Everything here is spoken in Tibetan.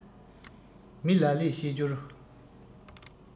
མི ལ ལས བཤད རྒྱུར